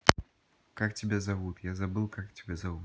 как тебя зовут я забыл как тебя зовут